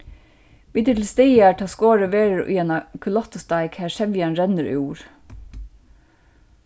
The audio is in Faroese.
vit eru til staðar tá skorið verður í eina kulottusteik har sevjan rennur úr